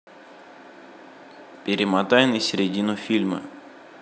перемотай на середину фильма